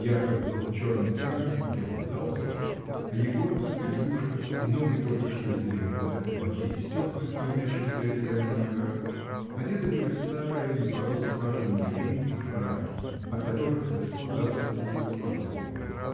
Яков был в черном фраке и белом галстухе, а Егорка, Петрушка и новый, только что из деревни взятый в лакеи Степка, не умевший стоять прямо на ногах, одеты были в старые, не по росту каждому, ливрейные фраки, от которых несло затхлостью кладовой.